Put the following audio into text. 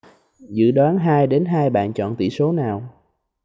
dự đoán hai đến hai bạn chọn tỷ số nào